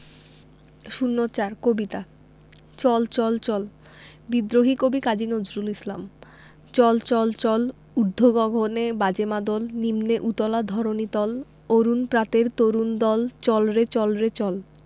০৪ কবিতা চল চল চল বিদ্রোহী কবি কাজী নজরুল ইসলাম চল চল চল ঊর্ধ্ব গগনে বাজে মাদল নিম্নে উতলা ধরণি তল অরুণ প্রাতের তরুণ দল চল রে চল রে চল